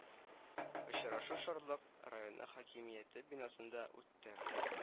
Очрашу шарлык районы хакимияте бинасында үтте